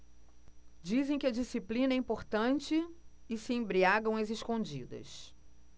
dizem que a disciplina é importante e se embriagam às escondidas